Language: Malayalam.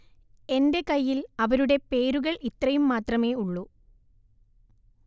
എന്റെ കയ്യില്‍ അവരുടെ പേരുകള്‍ ഇത്രയും മാത്രമേ ഉള്ളൂ